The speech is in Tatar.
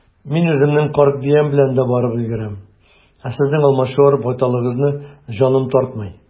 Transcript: Мин үземнең карт биям белән дә барып өлгерәм, ә сезнең алмачуар байталыгызны җаным тартмый.